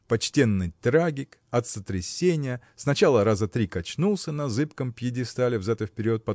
Почтенный трагик от сотрясения сначала раза три качнулся на зыбком пьедестале взад и вперед